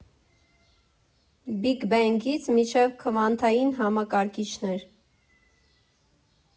Բիգ բենգից մինչև քվանտային համակարգիչներ.